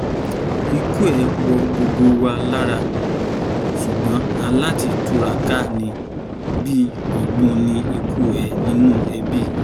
Ikú ẹ̀ wọ gbogbo wa lára sùgbọ́n a lá ti túraká ni. “Bíi ọ̀gbun ni ikú ẹ̀ nínú ẹbí.